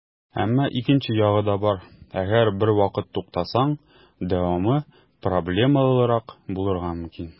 Әмма икенче ягы да бар - әгәр бервакыт туктасаң, дәвамы проблемалырак булырга мөмкин.